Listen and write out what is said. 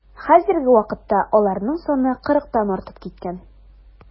Хәзерге вакытта аларның саны кырыктан артып киткән.